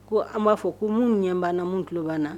Ko an b'a fɔ ko mun ɲɛ banna mun tulo bannaana